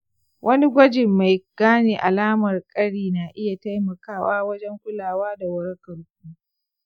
wani gwajin mai gane alamar ƙari na iya taimakawa wajen kulawa da warakarku.